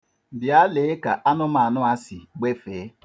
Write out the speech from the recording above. Bịa lee ka anụmanụ a si gbefee.